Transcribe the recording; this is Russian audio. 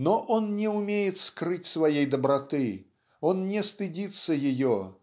Но он не умеет скрыть своей доброты он не стыдится ее